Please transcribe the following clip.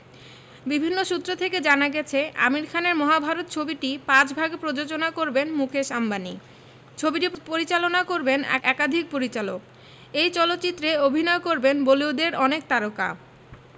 বিভিন্ন সূত্র থেকে জানা গেছে আমির খানের মহাভারত ছবিটি পাঁচ ভাগে প্রযোজনা করবেন মুকেশ আম্বানি ছবিটি পরিচালনা করবেন একাধিক পরিচালক এই চলচ্চিত্রে অভিনয় করবেন বলিউডের অনেক তারকা